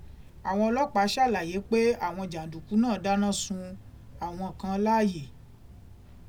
Àwọn ọlọ́pàá ṣàlàyé pé àwọn jàǹdùkú náà dáná sun àwọn kan láàyè.